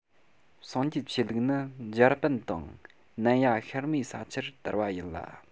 སངས རྒྱས ཆོས ལུགས ནི འཇར པན དང ནན ཡ ཤར མའི ས ཆར དར བ ཡིན ལ